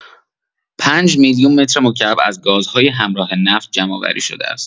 ۵ میلیون مترمکعب از گازهای همراه نفت جمع‌آوری شده است.